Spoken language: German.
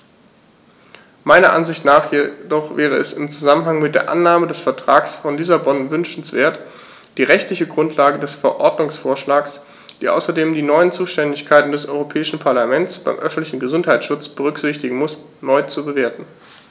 Meiner Ansicht nach jedoch wäre es im Zusammenhang mit der Annahme des Vertrags von Lissabon wünschenswert, die rechtliche Grundlage des Verordnungsvorschlags, die außerdem die neuen Zuständigkeiten des Europäischen Parlaments beim öffentlichen Gesundheitsschutz berücksichtigen muss, neu zu bewerten.